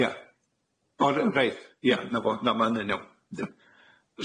Ia. O re- reit ia 'na fo na ma hynny'n iawn yndi.